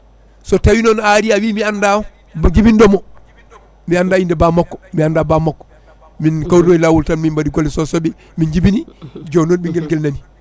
so tawi noon a ari a wi mi anda mo jibinɗomo mi anda inde bammakko mi anda bammakko min kawruno e laawol tan min mbaɗi goole Sow soɓe min jibini joni noon ɓinguel nguel nani